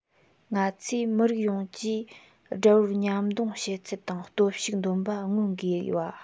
ང ཚོས མི རིགས ཡོངས ཀྱིས དགྲ བོར མཉམ སྡང བྱེད ཚུལ དང སྟོབས ཤུགས འདོན པ མངོན དགོས པ